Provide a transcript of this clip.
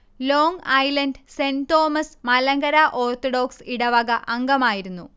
long Island Saint Thomas Malankara Orthodox ഇടവക അംഗമായിരുന്നു